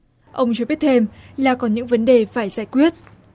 ông cho biết thêm là còn những vấn đề phải giải quyết